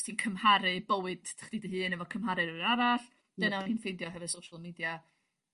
os ti'n cymharu bywyd chdi dy hun efo cymharu rywun arall dyna o'n i'n ffeindio hefo social media